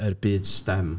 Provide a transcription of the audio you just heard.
Yr byd STEM.